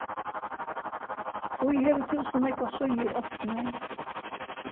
hví hevur tú so nógvar síður opnar